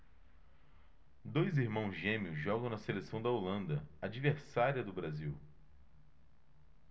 dois irmãos gêmeos jogam na seleção da holanda adversária do brasil